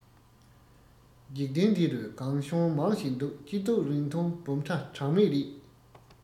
འཇིག རྟེན འདི རུ སྒང གཤོང མང ཞིག འདུག སྐྱིད སྡུག རིང ཐུང སྦོམ ཕྲ གྲངས མེད རེད